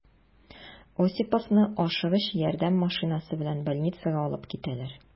Осиповны «Ашыгыч ярдәм» машинасы белән больницага алып китәләр.